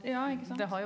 ja ikke sant.